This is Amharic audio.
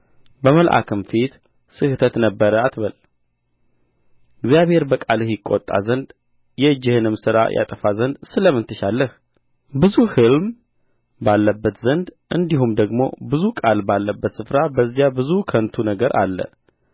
በመልአክም ፊት ስሕተት ነበረ አትበል እግዚአብሔር በቃልህ ይቈጣ ዘንድ የእጅህንም ሥራ ያጠፋ ዘንድ ስለምን ትሻለህ ብዙ ሕልም ባለበት ዘንድ እንዲሁም ደግሞ ብዙ ቃል ባለበት ስፍራ በዚያ ብዙ ከንቱ ነገር አለ